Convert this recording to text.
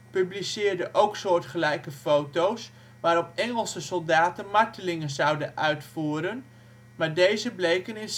publiceerde ook soortgelijke foto 's waar Engelse soldaten martelingen zouden uitvoerden, maar deze bleken in